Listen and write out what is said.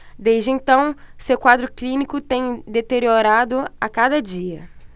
desde então seu quadro clínico tem deteriorado a cada dia